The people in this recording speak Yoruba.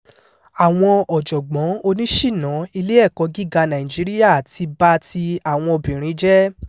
Àwọn ọ̀jọ̀gbọ́n oníṣìná ilé ẹ̀kọ́ gíga Nàìjíríà ti ba ti àwọn obìnrin jẹ́.